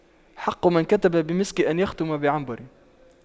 حق من كتب بمسك أن يختم بعنبر